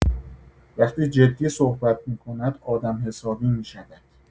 وقتی جدی صحبت می‌کند آدم‌حسابی می‌شود.